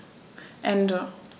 Ende.